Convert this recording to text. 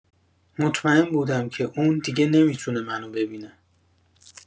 مطمئن بودم که اون دیگه نمی‌تونه منو ببینه.